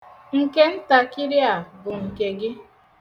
Nke ntakịri ̣a bụ nke gị.